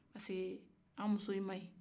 parce que an musow maɲi